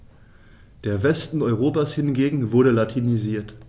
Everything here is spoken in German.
Der Westen Europas hingegen wurde latinisiert.